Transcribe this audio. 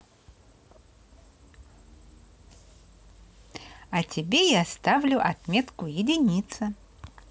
а тебе я ставлю отметку единица